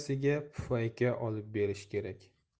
pufayka olib berish kerak